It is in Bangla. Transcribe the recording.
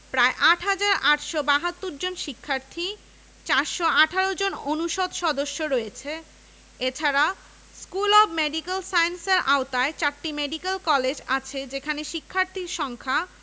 ১৯৮৬ সালের বিশ্ববিদ্যালয় আইন নং ৬৮ বলে ১৯৮৭ সালে সিলেটের কুমারগাঁওতে প্রতিষ্ঠিত হয় এটি দেশের প্রথম বিজ্ঞান ও প্রযুক্তি বিশ্ববিদ্যালয়